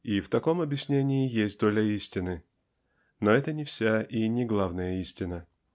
и в таком объяснении есть доля истины. Но это не вся и не главная истина.